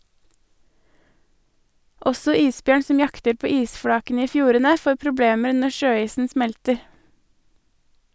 Også isbjørn som jakter på isflakene i fjordene får problemer når sjøisen smelter.